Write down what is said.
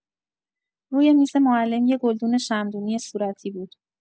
روی میز معلم یه گلدون شمعدونی صورتی بود.